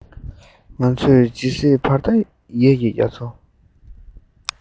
ང ཚོས ཇི སྲིད བར མཐའ ཡས ཀྱི རྒྱ མཚོ